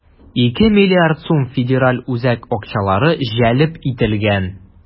2 млрд сум федераль үзәк акчалары җәлеп ителгән.